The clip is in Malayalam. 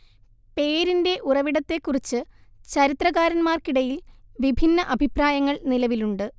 പേരിന്റെ ഉറവിടത്തെക്കുറിച്ച് ചരിത്രകാരന്മാർക്കിടയിൽ വിഭിന്ന അഭിപ്രായങ്ങൾ നിലവിലുണ്ട്